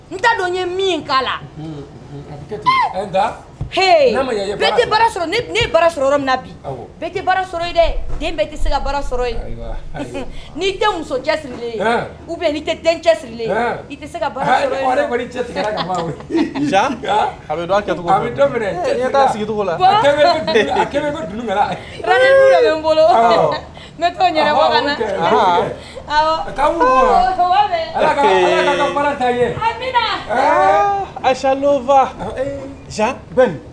N ntalen ye min'a la bara min na bi bɛɛ tɛ bara sɔrɔ dɛ den bɛɛ tɛ se ka bara sɔrɔ n'i muso cɛsirilen tɛ den cɛsiri i tɛ se bara sigi lafa